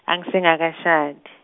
-angse ningakashadi.